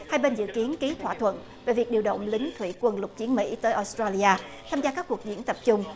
hai bên dự kiến ký thỏa thuận về việc điều động lính thủy quân lục chiến mỹ tới ốt trây li atham gia các cuộc diễn tập trung